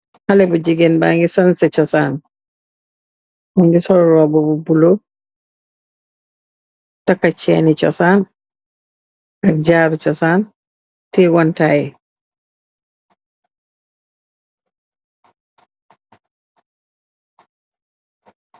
Xalèh bu gigeen ba ngi sanseh cosaan, mu ngi sol rubu bu bula, takka cèèn ni cosaan ak jaru cosaan, teyeh wantai .